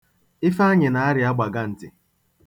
Ifeanyị na-arịa agbaganti.